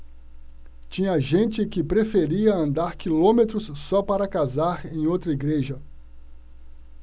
tinha gente que preferia andar quilômetros só para casar em outra igreja